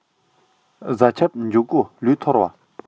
གཟའ ཁྱབ འཇུག སྐུ ལུས ཐོར བ